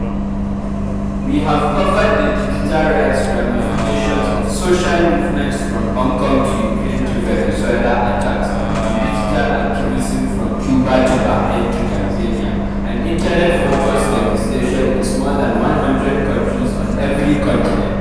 We have covered the digital rights ramifications of social movements from Hong Kong to Ukraine to Venezuela, attacks on digital activism from Cuba to Bahrain to Tanzania, and internet-focused legislation in more than 100 countries on every continent.